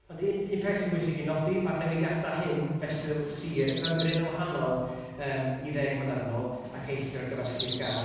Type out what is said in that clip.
Ond, un un peth sy'n bwysig i'w nodi, ma'r newidiadau hyn fesul sir fymryn yn wahanol yym i ddeg mlynedd yn ôl, ag eithrio ar gyfer sir Gâr.